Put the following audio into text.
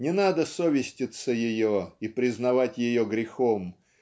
не надо совеститься ее и признавать ее грехом